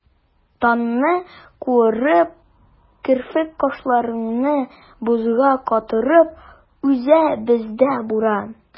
Тынны куырып, керфек-кашларыңны бозга катырып уза бездә буран.